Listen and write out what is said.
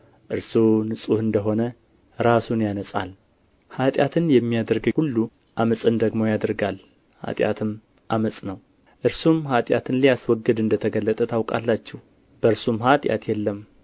እርሱ ንጹሕ እንደ ሆነ ራሱን ያነጻል ኃጢአትን የሚያደርግ ሁሉ ዓመፅን ደግሞ ያደርጋል ኃጢአትም ዓመፅ ነው እርሱም ኃጢአትን ሊያስወግድ እንደ ተገለጠ ታውቃላችሁ በእርሱም ኃጢአት የለም